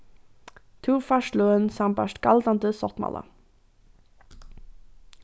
tú fært løn sambært galdandi sáttmála